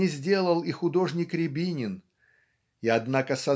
не сделал и художник Рябинин и однако